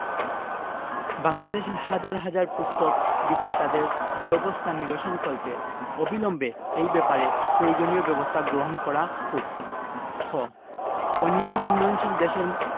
বাংলাদেশের হাজার হাজার পুস্তক বিক্রেতাদের দুরবস্থা নিরসনকল্পে অবিলম্বে এই ব্যাপারে প্রয়োজনীয় ব্যাবস্থা গ্রহণ করা হোক খ অন্যান্য উন্নয়নশীল দেশের